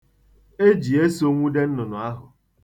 E ji eso nwụdo nnụnụ ahụ.